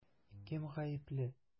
Кем гаепле?